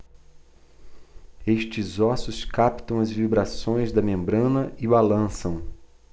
estes ossos captam as vibrações da membrana e balançam